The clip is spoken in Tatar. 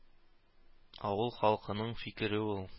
Авыл халкының фикере ул.